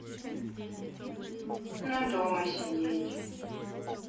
но дома сидеть